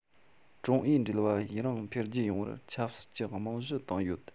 ཀྲུང ཨུའི འབྲེལ བ ཡུན རིང འཕེལ རྒྱས ཡོང བར ཆབ སྲིད ཀྱི རྨང གཞི བཏིང ཡོད